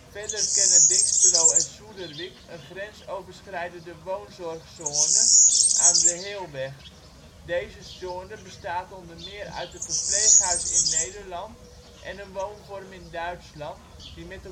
Verder kennen Dinxperlo en Suderwick een grensoverschrijdende woonzorgzone aan de Heelweg/Hellweg. Deze zone bestaat onder meer uit een verpleeghuis in Nederland en een woonvorm in Duitsland die met